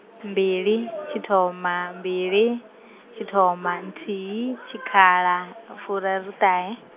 mbili, tshithona mbili, tshithoma nthihi, tshikhala, furaruṱahe.